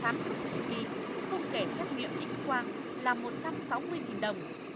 khám sức định kỳ không kể xét nghiệm ích quang là một trăm sáu mươi nghìn đồng